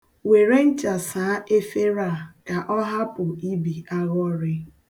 Were ncha saa efere a ka ọ hapụ ibi aghọrị.